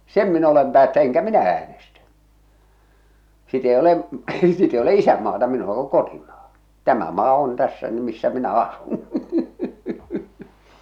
en mitään sen minä olen - enkä minä äänestä sitten ei ole sitä ei ole isänmaata minulla kun kotimaa tämä maa on tässä nyt missä minä asun